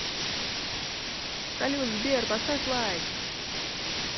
салют сбер поставь лайк